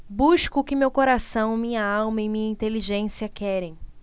busco o que meu coração minha alma e minha inteligência querem